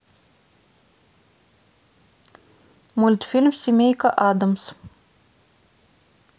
мультфильм семейка аддамс